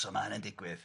So ma' hynny'n digwydd.